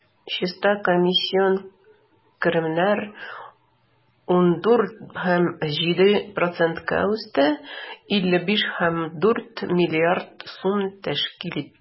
Чиста комиссион керемнәр 14,7 %-ка үсте, 55,4 млрд сум тәшкил итте.